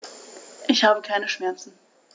Ich habe keine Schmerzen.